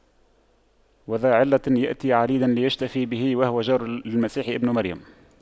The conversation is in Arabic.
وذى علة يأتي عليلا ليشتفي به وهو جار للمسيح بن مريم